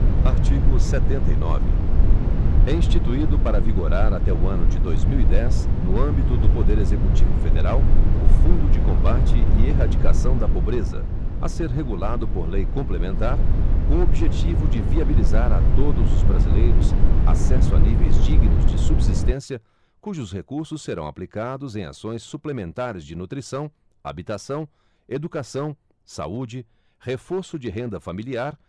artigo setenta e nove é instituído para vigorar até o ano de dois mil e dez no âmbito do poder executivo federal o fundo de combate e erradicação da pobreza a ser regulado por lei complementar com o objetivo de viabilizar a todos os brasileiros acesso a níveis dignos de subsistência cujos recursos serão aplicados em ações suplementares de nutrição habitação educação saúde reforço de renda familiar